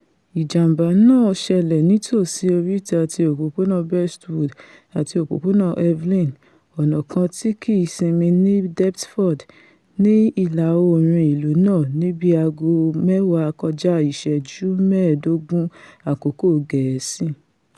Ìjàm̀bá náà ṣẹlẹ̀ nítòsí oríta ti Òpópónà Bestwood àti Òpópònà Evelyn, ọ̀nà kàn tí kìí sinmi ní Deptfird, ní ìlà-oòrùn ìlú náà ní bíi aago mẹ́wàá kọjá ìṣẹ́gún mẹ́ẹ̀ẹ́dógún Àkókò Gẹ̀ẹ́sì.